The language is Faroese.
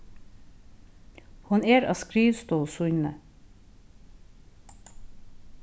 hon er á skrivstovu síni